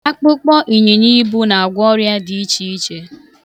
Akpụkpọ ịnyịnyiibu na-agwọ ọrịa dị iche iche.